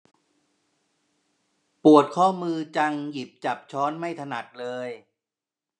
ปวดข้อมือจังหยิบจับช้อนไม่ถนัดเลย